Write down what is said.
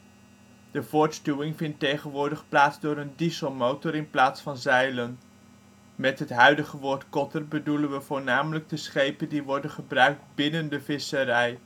voortstuwing vindt tegenwoordig plaats door een dieselmotor in plaats van zeilen. Met het huidige woord kotter bedoelen we voornamelijk de schepen die worden gebruikt binnen de visserij